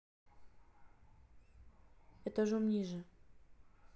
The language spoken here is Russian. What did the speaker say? этажом ниже